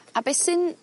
A be' sy'n